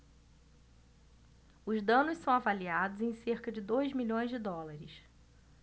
os danos são avaliados em cerca de dois milhões de dólares